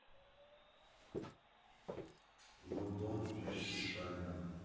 Լոնդոն, Մեծ Բրիտանիա։